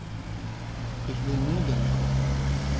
Ich will Nudeln kochen.